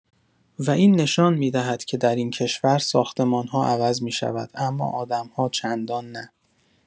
و این نشان می‌دهد که در این کشور، ساختمان‌ها عوض می‌شود اما آدم‌ها چندان نه!